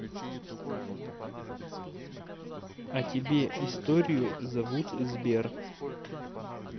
а тебе историю зовут сбер